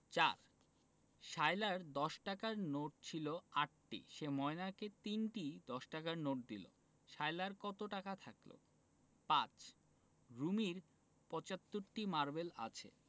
৪ সায়লার দশ টাকার নোট ছিল ৮টি সে ময়নাকে ৩টি দশ টাকার নোট দিল সায়লার কত টাকা থাকল ৫ রুমির ৭৫টি মারবেল আছে